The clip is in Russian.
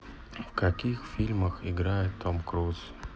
в каких фильмах играет том круз